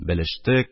Белештек,